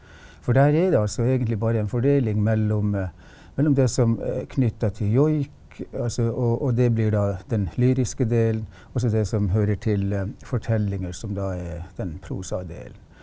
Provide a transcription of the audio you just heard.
for der er det altså egentlig bare en fordeling mellom mellom det som er knytta til joik altså og og det blir da den lyriske del og så det som hører til fortellinger som da er den prosadelen.